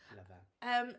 Love her... Yym.